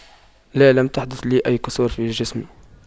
لا لم تحدث لي أي كسور في الجسم